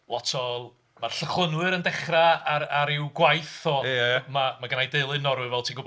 Lot o... mae'r llychlynwyr yn dechrau ar... ar i'w gwaith o... Ie, ie... Mae genna i deulu yn Norwy fel ti'n gwybod.